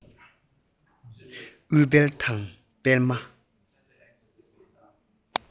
རྒྱ སེ སོགས མེ ཏོག གི རིགས སྣ ཚོགས མ ཟད